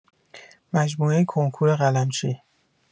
مجموعه کنکور قلمچی